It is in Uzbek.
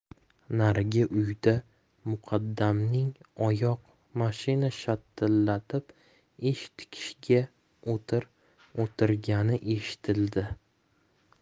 narigi uyda muqaddamning oyoq mashina shatillatib ish tikishga o'tir o'tirgani eshitildi